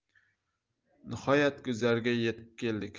nihoyat guzarga yetib keldik